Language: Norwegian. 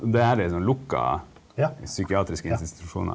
det her er sånne lukka psykiatriske institusjoner.